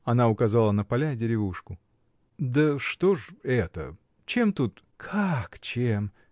Она указала на поля и деревушку. — Да что ж это?. Чем тут?. — Как чем!